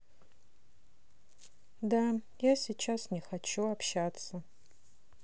да я сейчас не хочу общаться